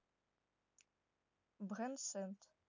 brend saat